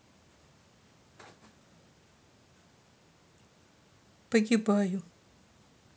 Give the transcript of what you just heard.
погибаю